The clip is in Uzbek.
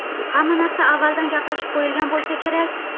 hamma narsa avvaldan gaplashib qo'yilgan bo'lsa kerak